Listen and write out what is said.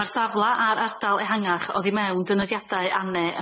Ma'r safla a'r ardal ehangach oddi mewn defnyddiadau anne